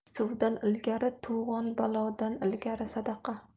suvdan ilgari to'g'on balodan ilgari sadaqa